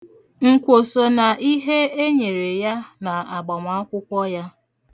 Nkwo so na ihe e nyere ya na agbamakwụkwọ ya.